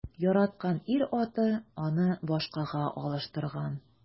Яраткан ир-аты аны башкага алыштырган.